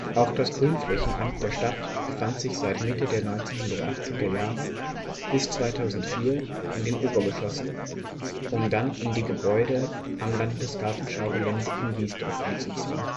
Auch das Grünflächenamt der Stadt befand sich seit Mitte der 1980er Jahre bis 2004 in den Obergeschossen, um dann in die Gebäude an dem Landesgartenschaugelände in Wiesdorf umzuziehen